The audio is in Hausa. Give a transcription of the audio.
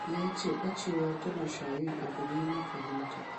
Ya ce ɓacewa ta mashayun abu ne na fahimta.